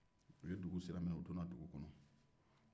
u donna dugu kɔnɔ